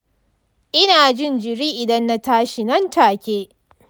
ina jin kiri idan na tashi nan take.